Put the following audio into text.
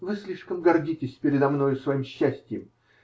-- Вы слишком гордитесь предо мною своим счастьем.